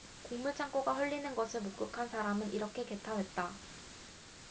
곡물 창고가 헐리는 것을 목격한 한 사람은 이렇게 개탄했다